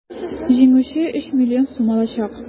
Җиңүче 3 млн сум алачак.